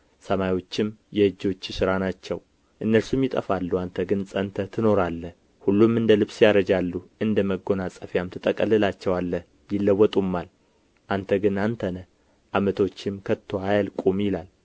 ሰማዮችም የእጆችህ ሥራ ናቸው እነርሱም ይጠፋሉ አንተ ግን ጸንተህ ትኖራለህ ሁሉም እንደ ልብስ ያረጃሉ እንደ መጎናጸፊያም ትጠቀልላቸዋለህ ይለወጡማል አንተ ግን አንተ ነህ ዓመቶችህም ከቶ አያልቁም ይላል